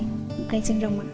một cây xương rồng ạ